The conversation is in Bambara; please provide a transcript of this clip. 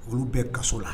Olu bɛɛ kaso la